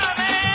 effectivement